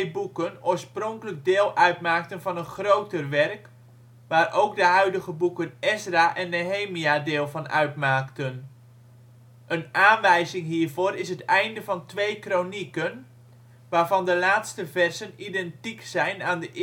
boeken oorspronkelijk deel uitmaakten van een groter werk, waar ook de huidige boeken Ezra en Nehemia deel van uitmaakten. Een aanwijzing hiervoor is het einde van 2 Kronieken, waarvan de laatste verzen identiek zijn aan de